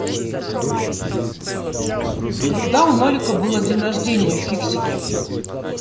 когда у нолика было день рождения фиксики